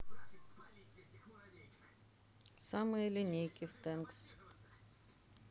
самые линейки в тэнкс